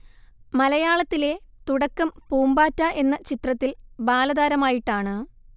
മലയാളത്തിലെ തുടക്കം പൂമ്പാറ്റ എന്ന ചിത്രത്തിൽ ബാലതാരമായിട്ടാണ്